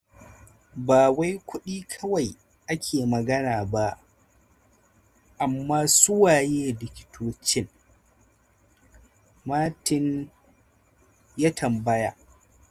"Ba wai kudi kawai ake magana ba, amma suwaye likitocin?" Martin ya tambaya.